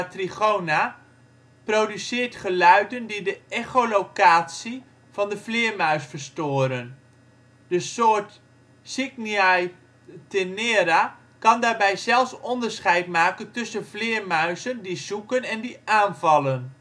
trigona produceert geluiden die de echolocatie van de vleermuis verstoren. De soort Cycnia tenera kan daarbij zelfs onderscheid maken tussen vleermuizen die zoeken en die aanvallen